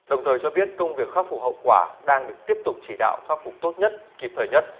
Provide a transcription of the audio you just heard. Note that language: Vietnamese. đồng thời cho biết công việc khắc phục hậu quả đang được tiếp tục chỉ đạo khắc phục tốt nhất kịp thời nhất